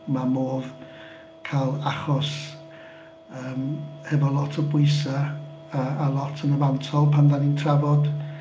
Ma' modd cael achos yym hefo lot o bwysau a a lot yn y fantol pan dan ni'n trafod...